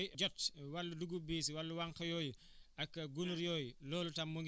ndax li nga xam ne moom mooy jot wàllu dugub bi si wàllu wànq yooyu ak